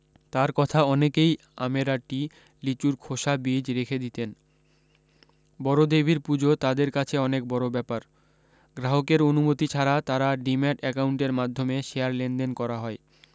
তার কথা অনেকই আমের আঁটি লিচুর খোসা বীজ রেখে দিতেন বড় দেবীর পূজো তাদের কাছে অনেক বড় ব্যাপার গ্রাহকের অনুমতি ছাড়া তার ডিম্যাট অ্যাকাউন্টের মাধ্যমে শেয়ার লেনদেন করা হয়